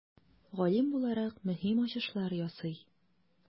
Галим буларак, мөһим ачышлар ясый.